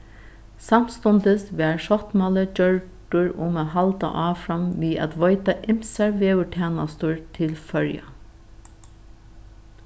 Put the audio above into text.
samstundis varð sáttmáli gjørdur um at halda áfram við at veita ymsar veðurtænastur til føroya